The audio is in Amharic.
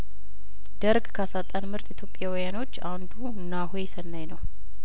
ደርግ ካሳጣን ምርጥ ኢትዮጵያውያኖች አንዱ ናሆሰናይ ነው